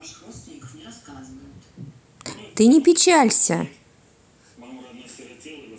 ты не печалься